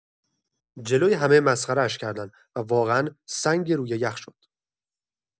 جلوی همه مسخره‌اش کردند و واقعا سنگ روی یخ شد.